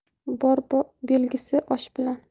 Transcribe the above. bor belgisi osh bilan